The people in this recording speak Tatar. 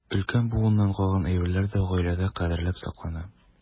Өлкән буыннан калган әйберләр дә гаиләдә кадерләп саклана.